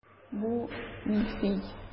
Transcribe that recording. Бу мильфей.